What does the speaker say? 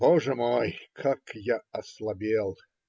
Боже мой, как я ослабел!